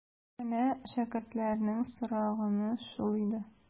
Менә шәкертләрнең сораганы шул иде.